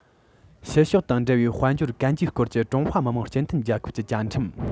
ཕྱི ཕྱོགས དང འབྲེལ བའི དཔལ འབྱོར གན རྒྱའི སྐོར གྱི ཀྲུང ཧྭ མི དམངས སྤྱི མཐུན རྒྱལ ཁབ ཀྱི བཅའ ཁྲིམས